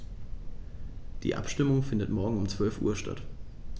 Die Abstimmung findet morgen um 12.00 Uhr statt.